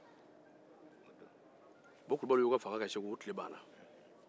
o kulubaliw y'u ka fanga kɛ segu u tile banna